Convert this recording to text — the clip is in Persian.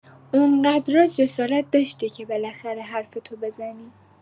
اونقدرا جسارت داشتی که بالاخره حرفتو بزنی.